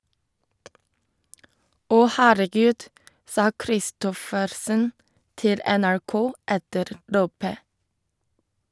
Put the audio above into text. Åh herregud, sa Kristoffersen til NRK etter løpet.